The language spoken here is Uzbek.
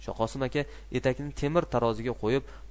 shoqosim aka etakni temir taroziga qo'yib